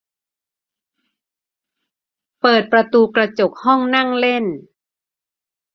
เปิดประตูกระจกห้องนั่งเล่น